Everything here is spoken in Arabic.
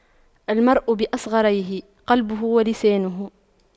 المرء بأصغريه قلبه ولسانه